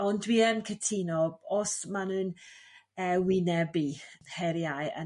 ond dwi yn cytuno os ma' n'w'n ee wynebu heriau yn